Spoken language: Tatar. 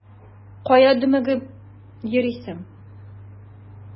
Кая дөмегеп йөрисең?